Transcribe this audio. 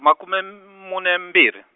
makume m-, mune mbirhi.